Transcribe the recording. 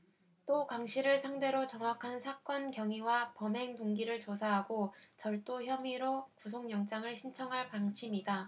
또 강씨를 상대로 정확한 사건경위와 범행 동기를 조사하고 절도 혐의로 구속영장을 신청할 방침이다